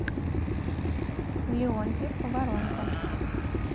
леонтьев воронка